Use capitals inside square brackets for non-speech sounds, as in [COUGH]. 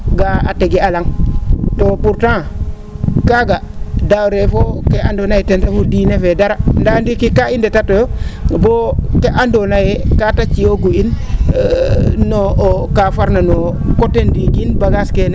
ga 'aa a tege a la? to pourtant kaaga daawree fo kee andoona yee ten refu diine fe dara nda ndiiki kaa i ndetatooyo boo ke andoona yee kaa te ci'oogu in [HESITATION] no no kaa farna no coté ndiig in bagage keene